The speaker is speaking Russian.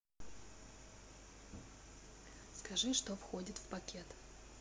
скажи что входит в пакет